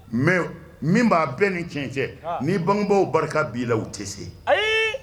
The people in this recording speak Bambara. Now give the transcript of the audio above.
Mɛ min b'a bɛɛ ni cɛn cɛ ni bangebaw barika b'i la u tɛ se